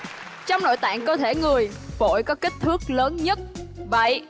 trong nội tạng cơ thể người phổi có kích thước lớn nhất vậy